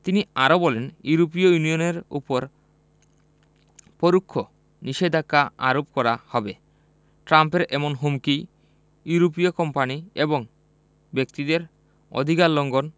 তিনি আরও বলেন ইউরোপীয় ইউনিয়নের ওপর পরোক্ষ নিষেধাজ্ঞা আরোপ করা হবে ট্রাম্পের এমন হুমকি ইউরোপীয় কোম্পানি এবং ব্যক্তিদের অধিকার লঙ্ঘন